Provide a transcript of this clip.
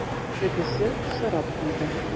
Тегесе сорап куйды: